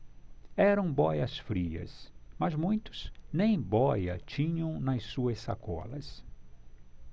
eram bóias-frias mas muitos nem bóia tinham nas suas sacolas